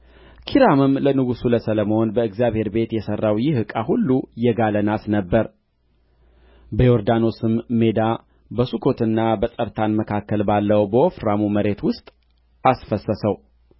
ኪራምም ለንጉሡ ለሰሎሞን በእግዚአብሔር ቤት የሠራው ይህ ዕቃ ሁሉ የጋለ ናስ ነበረ በዮርዳኖስ ሜዳ በሱኮትና በጸርታን መካከል ባለው በወፍራሙ መሬት ውስጥ አስፈሰሰው